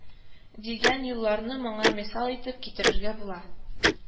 Дигән юлларны моңа мисал итеп китерергә була